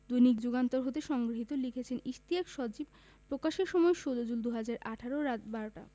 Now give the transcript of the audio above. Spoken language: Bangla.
দৈনিক যুগান্তর হতে সংগৃহীত লিখেছেন ইশতিয়াক সজীব প্রকাশের সময় ১৬ জুলাই ২০১৮ রাত ১২টা